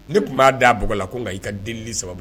Ni tun b'a da a bug la ko nka i ka delili saba